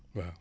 waa